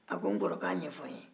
a ko n kɔrɔ k'a ɲɛfɔ ne ye